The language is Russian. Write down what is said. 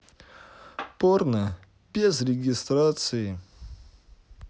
порно без регистрации